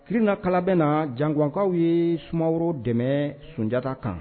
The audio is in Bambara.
Filina kala bɛ na jankaw ye sumaworo dɛmɛ sunjatadita kan